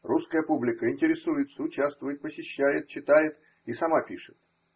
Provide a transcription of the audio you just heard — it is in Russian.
Русская публика интересуется, участвует, посещает, читает и сама пишет.